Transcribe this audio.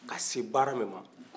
ka se baara min ma